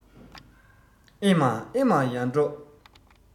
ཨེ མ ཨེ མ ཡར འབྲོག